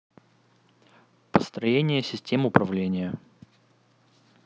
построение систем управления